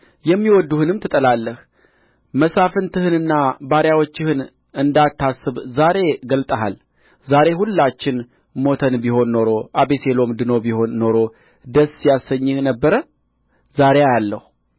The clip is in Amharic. የሚወድዱህንም ትጠላለህ መሳፍንትህንና ባሪያዎችህን እንዳታስብ ዛሬ ገልጠሃል ዛሬ ሁላችን ሞተን ቢሆን ኖር አቤሴሎምም ድኖ ቢሆን ኖሮ ደስ ያሰኘህ እንደ ነበረ ዛሬ አያለሁ